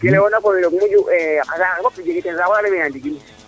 ke leyona koy roog moƴu a saxa fop jega ka refeer na teen ndigil